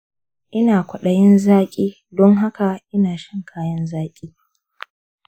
ina kwaɗayin zaƙi dun haka ina shan kayan zaƙi.